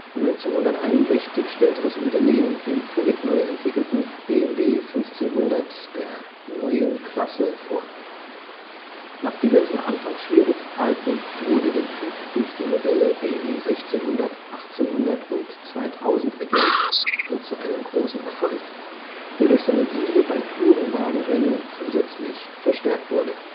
1961 stellte das Unternehmen den völlig neu entwickelten BMW 1500 der „ Neuen Klasse “vor. Nach diversen Anfangsschwierigkeiten wurde der Typ durch die Modelle BMW 1600, 1800 und 2000 ergänzt und zu einem großen Erfolg, der durch seine Siege bei Tourenwagen-Rennen zusätzlich verstärkt wurde